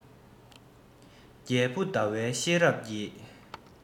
རྒྱལ བུ ཟླ བའི ཤེས རབ ཀྱིས